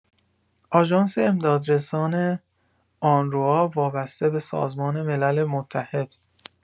آژانس امدادرسان «آنروا» وابسته به سازمان ملل متحد